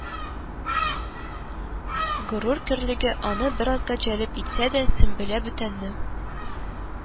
Горур көрлеге аны беразга җәлеп итсә дә, сөмбелә бүтәнне